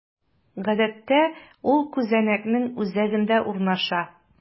Гадәттә, ул күзәнәкнең үзәгендә урнаша.